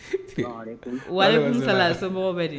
Wari